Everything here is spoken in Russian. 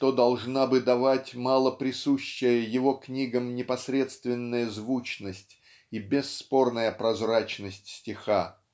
что должна бы давать мало присущая его книгам непосредственная звучность и бесспорная прозрачность стиха.